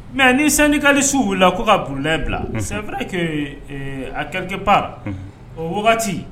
Mais ni syndicaliste wulila ko ka Burulayi bila, unhun c'est vrai que à quelque part o wagati